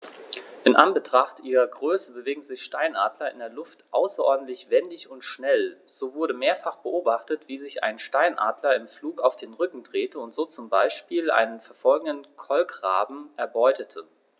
In Anbetracht ihrer Größe bewegen sich Steinadler in der Luft außerordentlich wendig und schnell, so wurde mehrfach beobachtet, wie sich ein Steinadler im Flug auf den Rücken drehte und so zum Beispiel einen verfolgenden Kolkraben erbeutete.